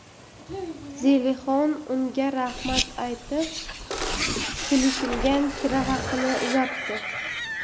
zelixon unga rahmat aytib kelishilgan kira haqini uzatdi